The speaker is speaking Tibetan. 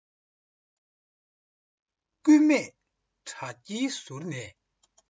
སྐུད མེད དྲ རྒྱའི ཟུར ནས